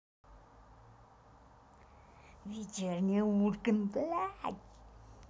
вечерний ургант блядь